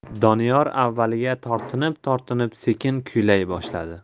doniyor avvaliga tortinib tortinib sekin kuylay boshladi